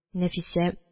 Нәфисә: